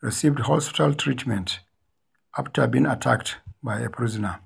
received hospital treatment after being attacked by a prisoner.